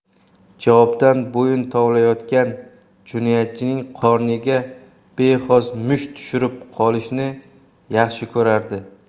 javobdan bo'yin tovlayotgan jinoyatchining qorniga bexos musht tushirib qolishni yaxshi ko'rardi